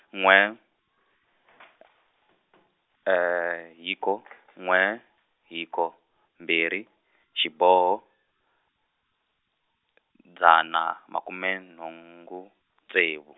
n'we, hiko n'we hiko mbirhi xiboho , dzana makume nhungu, ntsevu.